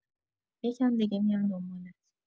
یکم دیگه میام دنبالت.